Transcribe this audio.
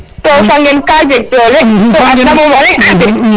to fa ngen ka jeg dole to adna moom o leŋ ande